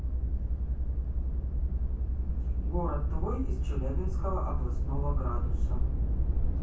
город твой из челябинского областного градуса